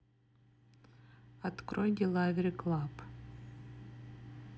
открой делавери клаб